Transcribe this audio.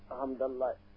Hamndalah